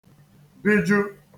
biju